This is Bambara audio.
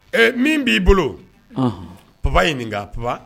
Ɛɛ min b'i bolop ɲini pap